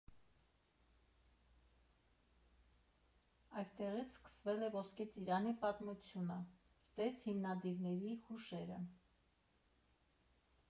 Այստեղից սկսվել է Ոսկե Ծիրանի պատմությունը (տե՛ս հիմնադիրների հուշերը)։